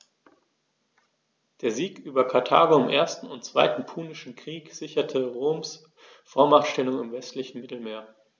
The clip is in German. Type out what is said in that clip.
Der Sieg über Karthago im 1. und 2. Punischen Krieg sicherte Roms Vormachtstellung im westlichen Mittelmeer.